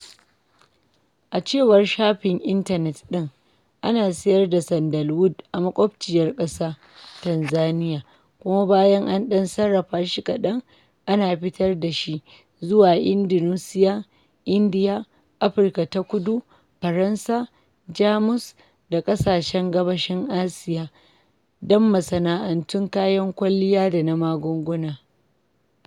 A cewar shafin intanet ɗin, ana siyar da sandalwood a maƙwabciyar ƙasa Tanzania kuma bayan an ɗan sarrafa shi kaɗan, ana fitar da shi "zuwa Indonesia, India, Afirka ta Kudu, Faransa, Jamus da ƙasashen gabashin Asiya don masana’antun kayan kwalliya da na magunguna".